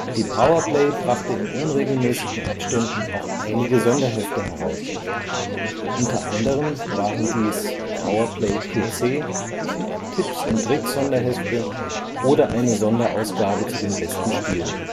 Die Power Play brachte in unregelmäßigen Abständen auch einige Sonderhefte heraus. Unter anderem waren dies Power Play PC (nur Tests von PC-Spielen, als Beilage eine 5,25-Zoll-Diskette mit Demos oder z. B. der Vollversion des Spiels Atomino), Tipps&Tricks-Sonderhefte oder eine Sonderausgabe zu den besten Spielen